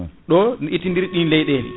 ɗo ina ittidiri ɗin leyɗele